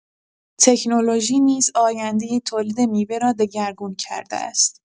تکنولوژی نیز آینده تولید میوه را دگرگون کرده است.